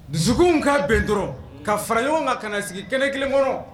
Dusuw ka bɛn dɔrɔn ka fara ɲɔgɔn kan ka na sigi kɛlɛ kelen kɔnɔ